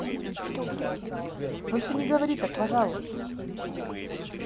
больше не говори так пожалуйста